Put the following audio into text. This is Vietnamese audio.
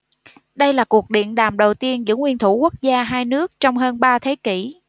đây là cuộc điện đàm đầu tiên giữa nguyên thủ quốc gia hai nước trong hơn ba thế kỷ